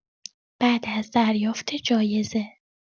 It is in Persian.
بعد از دریافت جایزه